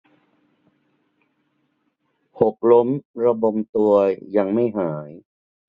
หกล้มระบมตัวยังไม่หาย